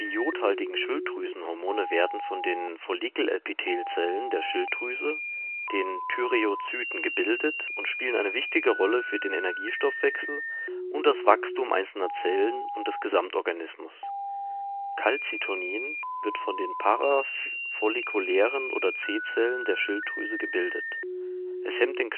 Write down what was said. iodhaltigen Schilddrüsenhormone werden von den Follikel-epithel-zellen der Schilddrüse, den Thyreo-zyten, gebildet und spielen eine wichtige Rolle für den Energiestoffwechsel und das Wachstum einzelner Zellen und des Gesamtorganismus. Calci-tonin wird von den parafollikulären oder C-Zellen der Schilddrüse gebildet. Es hemmt den